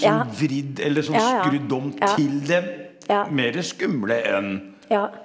ja ja ja ja ja ja.